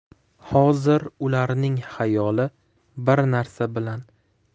hozir ularning xayoli bir narsa bilan